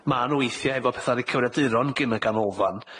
Ma' nw weithie hefo petha ar 'u cyfrifiaduron gin y ganolfan,